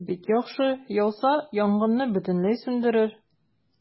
Бик яхшы, яуса, янгынны бөтенләй сүндерер.